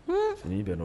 N'i bɛ nɔ